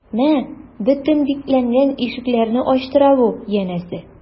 Мә, бөтен бикләнгән ишекләрне ачтыра бу, янәсе...